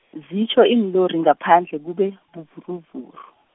zitjho iinlori ngaphandle kube, buvuruvuru.